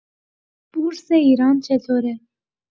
بورس ایران چطوره؟